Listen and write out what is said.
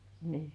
niin